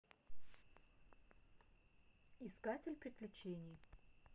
искатель приключений